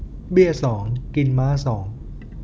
เบี้ยสองกินม้าสอง